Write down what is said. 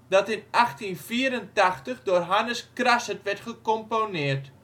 dat in 1884 door Hannes Krassert werd gecomponeerd